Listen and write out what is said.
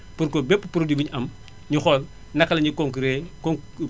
pour que bépp produit buñu am ñu xool naka lañuy concuré con